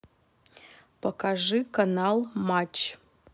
покажи канал матч